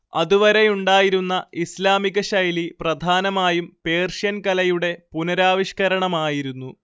അതുവരെയുണ്ടായിരുന്ന ഇസ്ലാമികശൈലി പ്രധാനമായും പേർഷ്യൻ കലയുടെ പുനരാവിഷ്കരണമായിരുന്നു